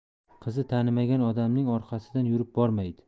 qizi tanimagan odamning orqasidan yurib bormaydi